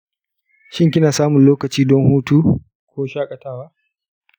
shin kina samun lokaci don hutu ko shakatawa?